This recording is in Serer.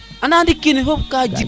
anda ndiki kene fop ka jig